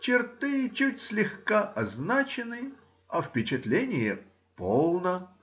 черты чуть слегка означены, а впечатление полно